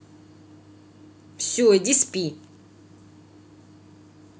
все иди спи